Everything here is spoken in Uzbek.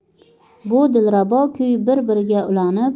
bu dilrabo kuy bir biriga ulanib